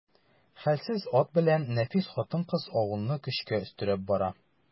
Хәлсез ат белән нәфис хатын-кыз авылны көчкә өстерәп бара.